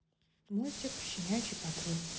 мультики щенячий патруль